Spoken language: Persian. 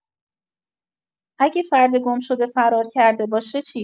اگه فرد گم‌شده فرار کرده باشه چی؟